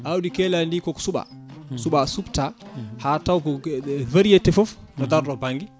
awdi keeladi ndi koko suuɓa suuɓa subta ha taw ko variété foof ne daado banggue